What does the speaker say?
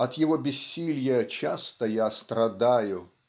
От его бессилья часто я страдаю